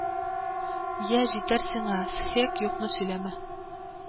Я, җитәр сиңа, схег, юкны сөйләмә